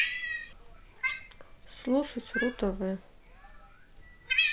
слушать ру тв